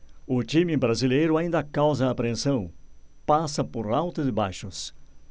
o time brasileiro ainda causa apreensão passa por altos e baixos